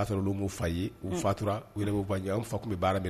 U y'a sɔrɔ olu'u fa ye u fatura yɛrɛ an fa tun bɛ baara